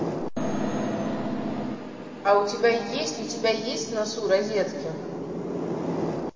а у тебя есть у тебя есть в носу розетки